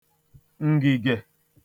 ǹgìgè